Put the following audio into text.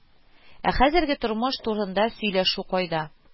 Ә хәзерге тормыш турында сөйләшү кайда